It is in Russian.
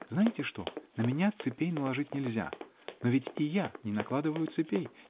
-- Знаете что: на меня цепей наложить нельзя, но ведь и я не накладываю цепей.